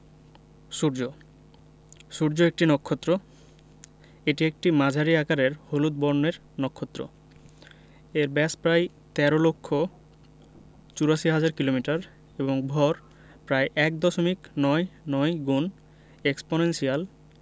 সূর্যঃ সূর্য একটি নক্ষত্র এটি একটি মাঝারি আকারের হলুদ বর্ণের নক্ষত্র এর ব্যাস প্রায় ১৩ লক্ষ ৮৪ হাজার কিলোমিটার এবং ভর প্রায় এক দশমিক নয় নয় গুন এক্সপনেনশিয়াল